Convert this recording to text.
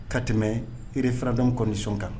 Ka tɛmɛ ire faradenw kɔnɔnasɔn kan